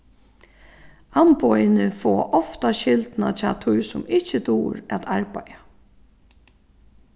amboðini fáa ofta skyldina hjá tí sum ikki dugir at arbeiða